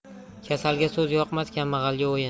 kasalga so'z yoqmas kambag'alga o'yin